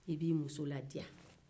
i b'i muso ladiya